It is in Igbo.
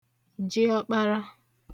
jiọkpara